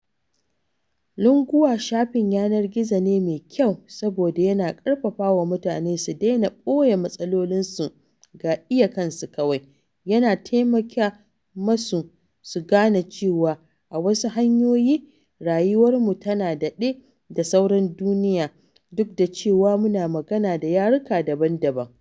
Lingua shafin yanar gizo ne mai kyau, saboda yana ƙarfafawa mutane su daina ɓoye matsalolinsu ga iya kansu kawai, yana taimaka masu su gane cewa a wasu hanyoyi, rayuwar mu tana haɗe da sauran duniya, duk da cewa muna magana da yaruka daban-daban